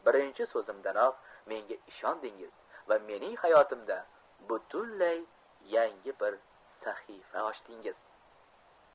birinchi so'zimdanoq menga ishondingiz va mening hayotimda butunlay yangi bir sahifa ochdingiz